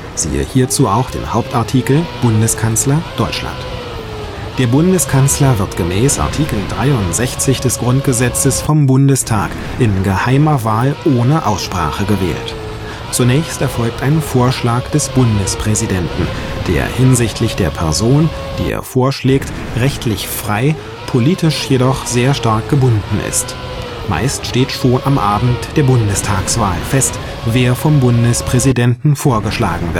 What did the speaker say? → Hauptartikel: Bundeskanzler (Deutschland) Der Bundeskanzler wird gem. Art. 63 GG vom Bundestag in geheimer Wahl ohne Aussprache gewählt. Zunächst erfolgt ein Vorschlag des Bundespräsidenten, der hinsichtlich der Person, die er vorschlägt, rechtlich frei, politisch jedoch sehr stark gebunden ist: Meist steht schon am Abend der Bundestagswahl fest, wer vom Bundespräsidenten vorgeschlagen